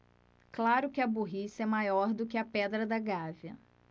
claro que a burrice é maior do que a pedra da gávea